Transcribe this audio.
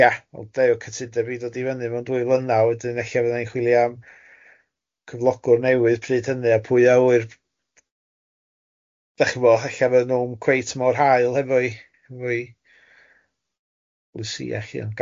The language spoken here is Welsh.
Ie wel de oedd cytundeb wedi dod i fyny mewn dwy flynna, wedyn ella fydda ni'n chwilio am cyflogwr newydd pryd hynny a pwy a wy'r dach chibod, ella fyddan nhw'n cweit mor hael hefo'i hefo'i bolisia ella